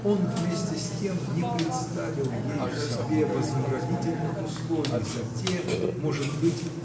он вместе с тем не представил ей в себе вознаградительных условий за те может быть